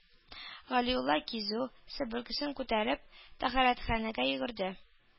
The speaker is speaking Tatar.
Галиулла кизү, себеркесен күтәреп, тәһарәтханәгә йөгерде.